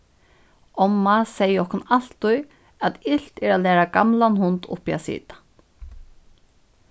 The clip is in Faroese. omma segði okkum altíð at ilt er at læra gamlan hund uppi at sita